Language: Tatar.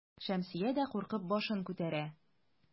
Шәмсия дә куркып башын күтәрә.